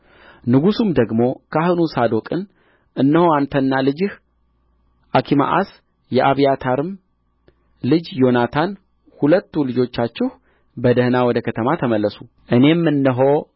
ንጉሡም ደግሞ ካህኑን ሳዶቅን እነሆ አንተና ልጅህ አኪማአስ የአብያታርም ልጅ ዮናታን ሁለቱ ልጆቻችሁ በደኅና ወደ ከተማ ተመለሱ እኔም እነሆ